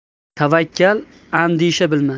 tavakkal andisha bilmas